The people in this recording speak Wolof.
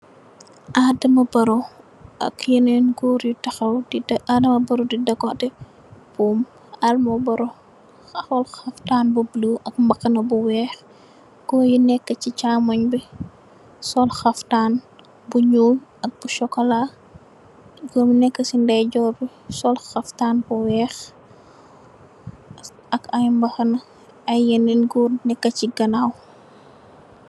Adama barrow ak yenen gorr yu tahaw Adama barrow d dogateh buum Adama barrow sol halftan bu blue ak mbahaba bu weih kui neka sey chamunj bi sol sol halftan bu nyuul ak bu sokola gorr bu neka sey ndey jorr bi sol halftan bu weih ak i mbahana i yenen gorr neka sey ganaw.